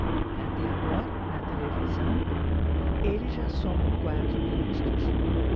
até agora na televisão eles já somam quatro ministros